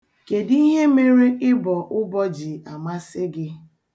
Kedụ ihe mere ịbọ ụbọ ji amasị gị?